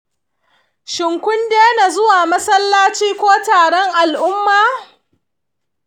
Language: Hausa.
shin kun daina zuwa masallaci ko taron al'umma?